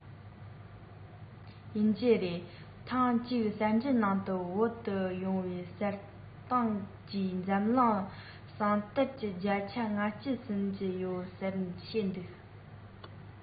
ཡིན གྱི རེད ཐེངས གཅིག གསར འགྱུར ནང དུ བོད དུ ཡོད པའི ཟངས གཏེར གྱིས འཛམ གླིང ཟངས གཏེར གྱི བརྒྱ ཆ ལྔ བཅུ ཟིན གྱི ཡོད ཟེར བཤད འདུག